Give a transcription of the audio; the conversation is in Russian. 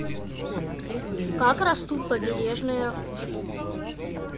как растут побережный ракушки